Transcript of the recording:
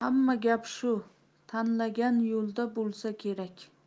hamma gap shu tanlangan yo'lda bo'lsa kerak